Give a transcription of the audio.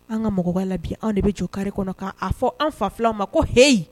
An ka mɔgɔ b'a la bi an de bɛ jɔ kariri kɔnɔ k' a fɔ an fa fulaw ma ko heyi